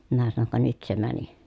minä sanoin ka nyt se meni